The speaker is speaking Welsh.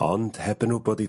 Ond heb yn wbod i...